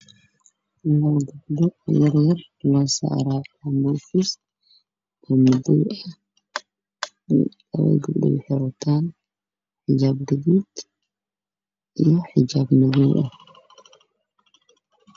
Waa gabar wadato xijaab guduud